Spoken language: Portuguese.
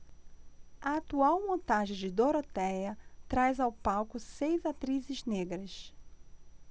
a atual montagem de dorotéia traz ao palco seis atrizes negras